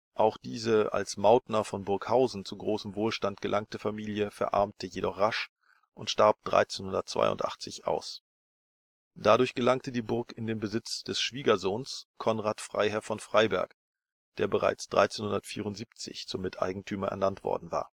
Auch diese als Mautner von Burghausen zu großem Wohlstand gelangte Familie verarmte jedoch rasch und starb 1382 aus. Dadurch gelangte die Burg in den Besitz des Schwiegersohns Konrad Freiherr von Freyberg, der bereits 1374 zum Miteigentümer ernannten worden war